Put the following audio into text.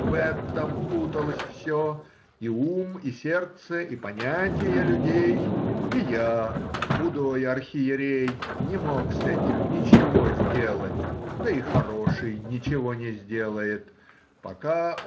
в этом путалось все — и ум, и сердце, и понятия людей, и я, худой архиерей, не мог с этим ничего сделать, да и хороший ничего не сделает, пока.